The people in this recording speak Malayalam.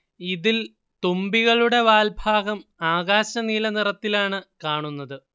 ഇതിൽ തുമ്പികളുടെ വാൽ ഭാഗം ആകാശനീല നിറത്തിലാണ് കാണുന്നത്